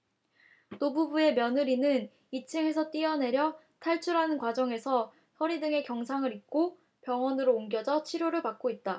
노부부의 며느리는 이 층에서 뛰어내려 탈출하는 과정에서 허리 등에 경상을 입고 병원으로 옮겨져 치료를 받고 있다